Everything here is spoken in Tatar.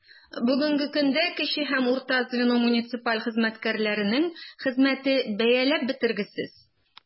Бүгенге көндә кече һәм урта звено муниципаль хезмәткәрләренең хезмәте бәяләп бетергесез.